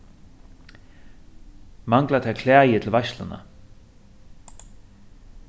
manglar tær klæði til veitsluna